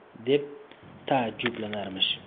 deb taajjublanarmish